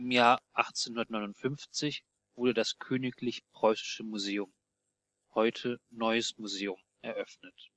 Jahr 1859 wurde das königlich-preußische Museum (heute: Neues Museum) eröffnet